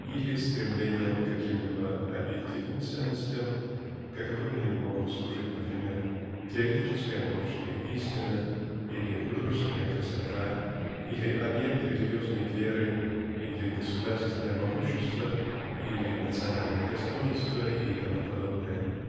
или стремлением к каким-либо объективным ценностям (каковыми могут служить напр<имер> теоретическая научная истина или художественная красота или объект религиозной веры или государственное могущество или национальное достоинство и т. п.